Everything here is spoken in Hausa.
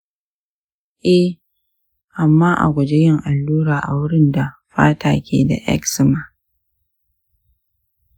eh, amma a guji yin allura a wurin da fata ke da eczema.